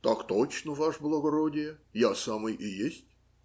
- Так точно, ваше благородие, я самый и есть.